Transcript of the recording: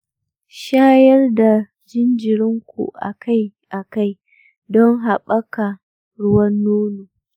shayar da jinjirinku akai-akai don haɓaka ruwan nono